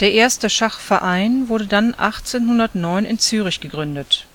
erste Schachverein wurde dann 1809 in Zürich gegründet